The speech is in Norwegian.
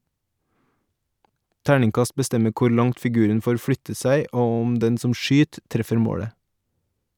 Terningkast bestemmer kor langt figuren får flytta seg og om den som skyt, treffer målet.